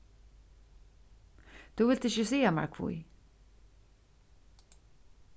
tú vilt ikki siga mær hví